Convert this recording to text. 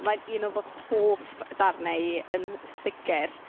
Mae'n un o fy hoff ddarnau i yn sicr.